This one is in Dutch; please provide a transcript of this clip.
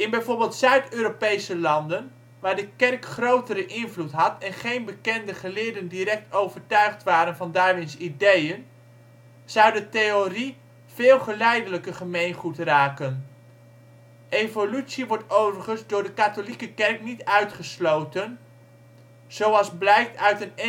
bijvoorbeeld Zuid-Europese landen, waar de kerk grotere invloed had en geen bekende geleerden direct overtuigd waren van Darwins ideeën, zou de theorie veel geleidelijker gemeengoed raken. Evolutie wordt overigens door de katholieke kerk niet uitgesloten, zoals blijkt uit een encycliek